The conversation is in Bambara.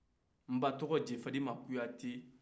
n'ba tɔgɔ jɛfarima kuyate